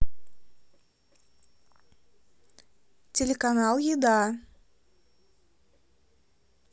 телеканал еда